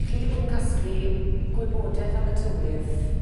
...chi 'di bod yn casglu gwybodeth am y tywydd...